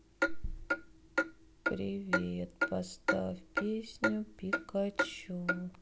привет поставь песню пикачу